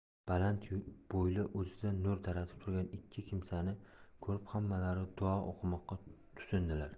baland bo'yli o'zidan nur taratib turgan ikki kimsani ko'rib hammalari duo o'qimoqqa tutindilar